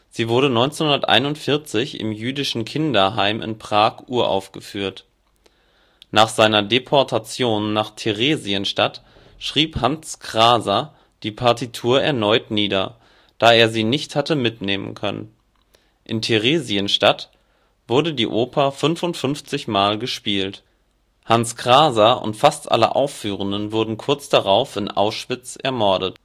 Sie wurde 1941 im jüdische Kinderheim in Prag uraufgeführt. Nach seiner Deportation nach Theresienstadt schrieb Hans Krása die Partitur erneut nieder, da er sie nicht hatte mitnehmen können. In Theresienstadt wurde die Oper 55 mal gespielt. Hans Krása und fast alle Ausführenden wurden kurz darauf in Auschwitz ermordet